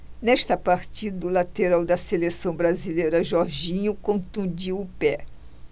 nesta partida o lateral da seleção brasileira jorginho contundiu o pé